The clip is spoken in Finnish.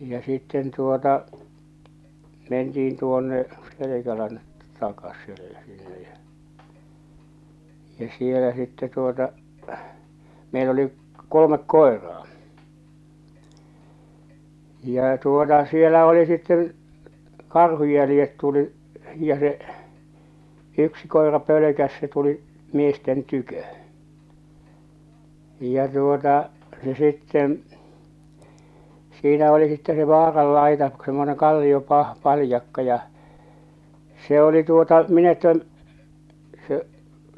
ja sitten tuota mentiin tuonne Selkälän takaiselle sinne ja ja siellä sitten tuota meillä oli kolme koiraa ja tuota siellä oli sitten karhun jäljet tuli ja se yksi koira pelkäsi se tuli miesten tykö ja tuota se sitten siinä oli sitten se vaaranlaita semmoinen - kalliopaljakka ja se oli tuota minä että se